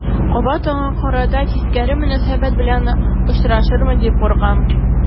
Кабат аңа карата тискәре мөнәсәбәт белән очрашырмын дип куркам.